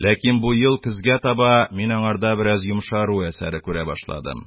Ләкин бу ел көзгә таба мин аңарда бераз йомшару әсәре күрә башладым.